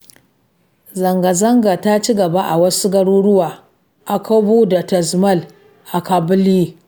Zangazangar ta ci gaba a wasu garuruwan: Akbou da Tazmalt a Kabylie.